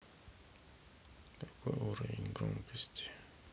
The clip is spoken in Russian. какой уровень громкости